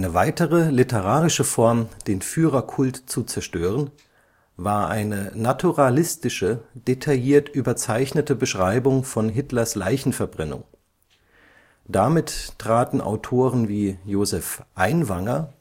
weitere literarische Form, den Führerkult zu zerstören, war eine naturalistische, detailliert-überzeichnete Beschreibung von Hitlers Leichenverbrennung. Damit traten Autoren wie Josef Einwanger